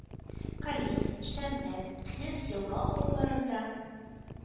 Калинин, Шәммәт, Князь-Елга авылларында